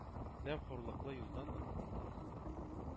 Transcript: Нәм хурлыклы юлдан атлатты.